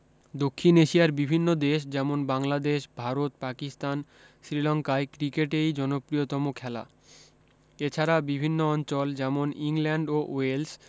দক্ষিণ এশিয়ার বিভিন্ন দেশ যেমন বাংলাদেশ ভারত পাকিস্তান শ্রীলঙ্কায় ক্রিকেটেই জনপ্রিয়তম খেলা এছাড়া বিভিন্ন অঞ্চল যেমন ইংল্যান্ড ও ওয়েলস